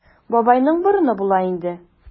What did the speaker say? Бабайның борыны була инде.